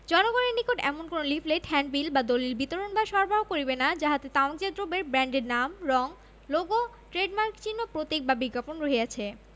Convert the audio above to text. জনগণের নিকট এমন কোন লিফলেট হ্যান্ডবিল বা দলিল বিতরণ বা সরবরাহ করিবেনা যাহাতে তামাকজাত দ্রব্যের ব্রান্ডের নাম রং লোগ ট্রেডমার্ক চিহ্ন প্রতীক বা বিজ্ঞাপন রহিয়াছে